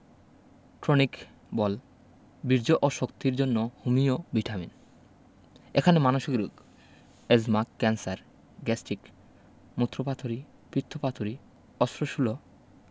tonic বল বীর্য ও শক্তির জন্য হোমিও ভিটামিন এখানে মানসিক রুগ এ্যজমা ক্যান্সার গ্যাস্ট্রিক মুত্রপাথড়ী পিত্তপাথড়ী অস্লশূল